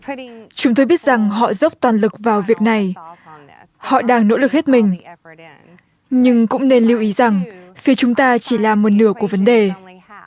chúng tôi biết rằng họ dốc toàn lực vào việc này họ đang nỗ lực hết mình nhưng cũng nên lưu ý rằng khi chúng ta chỉ là một nửa của vấn đề